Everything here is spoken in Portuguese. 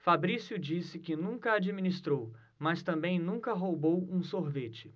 fabrício disse que nunca administrou mas também nunca roubou um sorvete